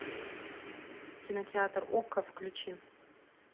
кинотеатр окко включи